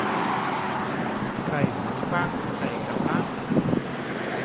ใช้หูฟัง ใช้กำลัง